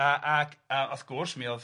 Yy ac a wrth gwrs mi o'dd